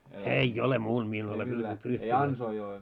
ei ole muulla minä en ole pyytänyt yhtäkään